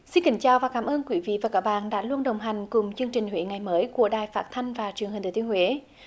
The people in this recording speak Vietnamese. xin kính chào và cảm ơn quý vị và các bạn đã luôn đồng hành cùng chương trình huế ngày mới của đài phát thanh và truyền hình thừa thiên huế